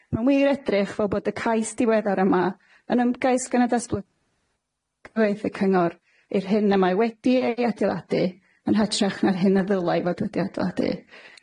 Ma'n wir edrych fel bod y cais diweddar yma yn ymgais gan y datbly- goedd y cyngor i'r hyn y mae wedi ei adeiladu, yn hytrach na'r hyn a ddylai fod wedi adeiladu.